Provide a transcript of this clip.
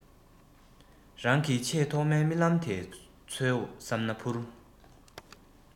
རང གི ཆེས ཐོག མའི རྨི ལམ དེ འཚོལ བསམ ན འཕུར